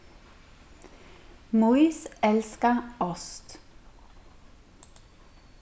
mýs elska ost